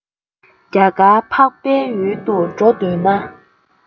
རྒྱ གར འཕགས པའི ཡུལ དུ འགྲོ འདོད ན